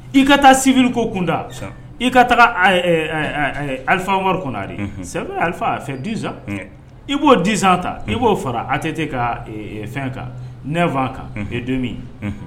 I ka taa sivri ko kunda i ka alifamari kɔnɔre sɛbɛ alifa a fɛ diz i b'o diz ta i b'o fara a tɛ ka fɛn kan nɛfan kan don min ye